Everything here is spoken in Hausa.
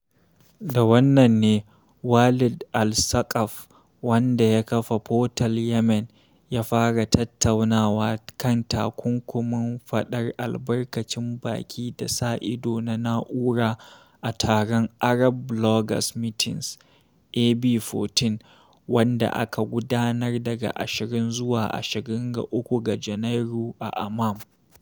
Da wannan ne Walid Al-Saqaf, wanda ya kafa Portal Yemen, ya fara tattaunawa kan takunkumin faɗar albarkacin baki da sa-ido na na'ura a taron Arab Bloggers Meeting #AB14, wanda aka gudanar daga 20 zuwa 23 ga Janairu a Amman.